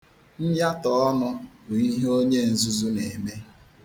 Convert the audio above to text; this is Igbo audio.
Myatọ ọnụ bụ ihe onye nzuzu na-eme.